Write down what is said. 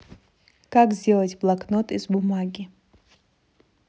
как сделать блокнот из бумаги